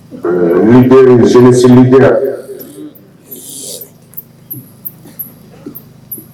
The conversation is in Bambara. N bɔra zs bɔra